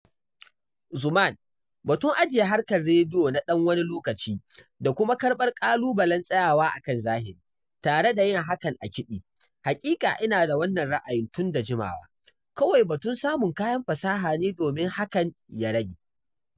Xuman: Batun ajiye harkar rediyo na ɗan wani lokaci da kuma karɓar ƙalubalen tsayawa kan zahiri, tare da yin hakan a kiɗi... haƙiƙa ina da wannan ra'ayin tun da jimawa, kawai batun samun kayan fasaha ne domin yin hakan ya rage.